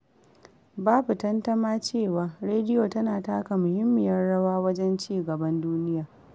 Babu tantama cewa, rediyo tana taka muhimmiyar rawa wajen cigaban duniya.